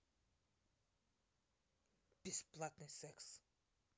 бесплатный секс